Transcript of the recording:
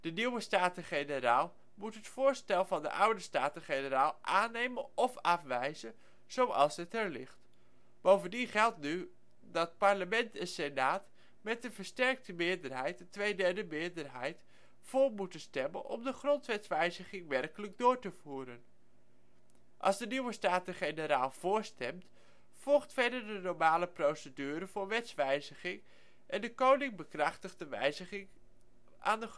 nieuwe Staten-Generaal moet het voorstel van de oude Staten-Generaal aannemen of afwijzen zoals het er ligt. Bovendien geldt nu dat parlement en senaat met een versterkte meerderheid (een tweederde meerderheid) voor moeten stemmen om de grondwetswijziging werkelijk door te voeren. Als de nieuwe Staten-Generaal voorstemt, volgt verder de normale procedure voor wetswijziging en de Koning bekrachtigt de wijziging aan de